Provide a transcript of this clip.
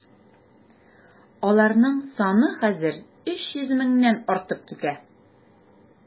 Аларның саны хәзер 300 меңнән артып китә.